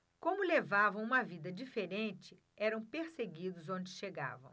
como levavam uma vida diferente eram perseguidos onde chegavam